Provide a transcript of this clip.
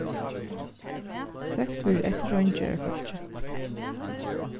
søkt verður eftir reingerðarfólki